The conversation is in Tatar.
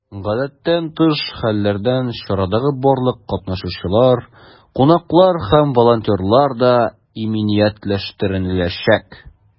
Гадәттән тыш хәлләрдән чарадагы барлык катнашучылар, кунаклар һәм волонтерлар да иминиятләштереләчәк.